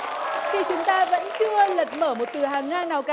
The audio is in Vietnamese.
khi chúng ta vẫn chưa lật mở một từ hàng ngang nào cả